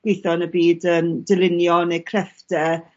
gwitho yn y byd yym dylunio ne' creffte